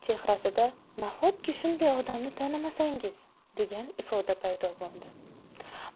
chehrasida nahotki shundoq odamni tanimasangiz degan ifoda paydo bo'ldi